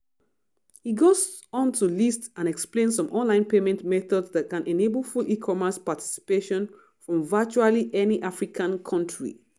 He goes on to list and explain some online payment methods that can enable full e-commerce participation from virtually any African country.